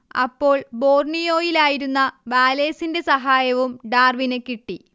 അപ്പോൾ ബോർണിയോയിലായിരുന്ന വാലേസിന്റെ സഹായവും ഡാർവിന് കിട്ടി